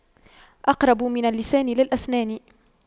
أقرب من اللسان للأسنان